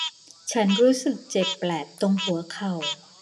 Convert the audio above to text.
ฉันรู้สึกเจ็บแปลบตรงหัวเข่า